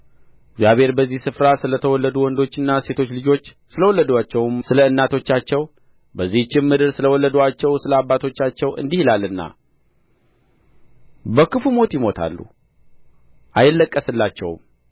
እግዚአብሔር በዚህ ስፍራ ስለ ተወለዱ ወንዶችና ሴቶች ልጆች ስለወለዱአቸውም ስለ እናቶቻቸው በዚህችም ምድር ስለ ወለዱአቸው ስለ አባቶቻቸው እንዲህ ይላልና በክፉ ሞት ይሞታሉ አይለቀስላቸውም